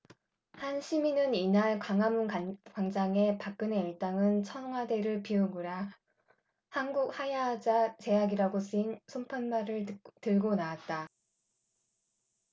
한 시민은 이날 광화문광장에 박근혜 일당은 청와대를 비우그라 한국하야하자 제약이라고 쓰인 손팻말을 들고 나왔다